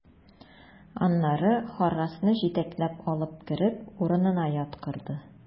Аннары Харрасны җитәкләп алып кереп, урынына яткырды.